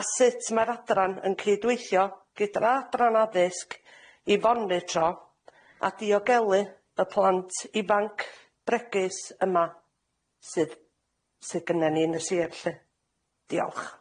A sut ma'r adran yn cydweithio gydra adran addysg i fonitro a diogelu y plant ifanc bregus yma sydd sydd gynne ni yn y sir lly. Diolch.